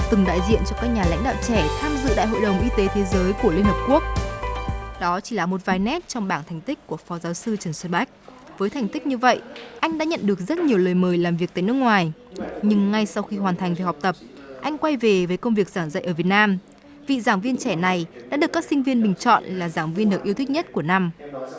từng đại diện cho các nhà lãnh đạo trẻ tham dự đại hội đồng y tế thế giới của liên hiệp quốc đó chỉ là một vài nét trong bảng thành tích của phó giáo sư trần xuân bách với thành tích như vậy anh đã nhận được rất nhiều lời mời làm việc tại nước ngoài nhưng ngay sau khi hoàn thành việc học tập anh quay về với công việc giảng dạy ở việt nam vị giảng viên trẻ này đã được các sinh viên bình chọn là giảng viên được yêu thích nhất của năm